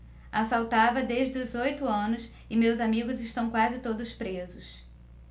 assaltava desde os oito anos e meus amigos estão quase todos presos